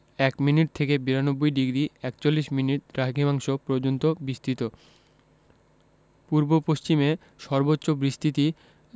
১ minute থেকে ৯২ degree ৪১মিনিট দ্রাঘিমাংশ পর্যন্ত বিস্তৃত পূর্ব পশ্চিমে সর্বোচ্চ বিস্তৃতি